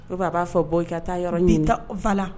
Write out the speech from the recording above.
A b'a fɔ bɔ i ka taa yɔrɔ nifala